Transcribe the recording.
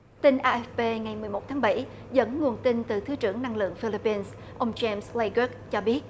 tin a ép pê ngày mười một tháng bảy dẫn nguồn tin từ thứ trưởng năng lượng phi líp pin ông rem lây gớt cho biết